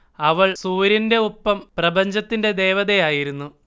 അവൾ സൂര്യന്റെ ഒപ്പം പ്രപഞ്ചത്തിന്റെ ദേവതയായിരുന്നു